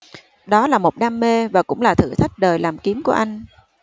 đó là một đam mê và cũng là thử thách đời làm kiếm của anh